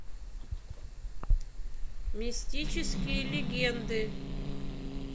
мистические легенды